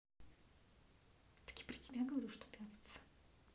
так я про тебя говорю что ты овца